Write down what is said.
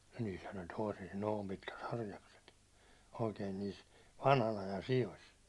niissähän olisi toisissa noin pitkät harjakset oikein niissä vanhan ajan sioissa